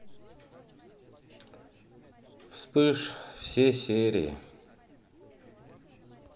вспыш все серии